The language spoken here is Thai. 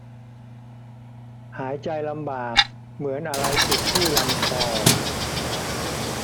หายใจลำบากเหมือนอะไรติดที่ลำคอ